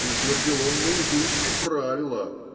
Вытвердил он наизусть и правила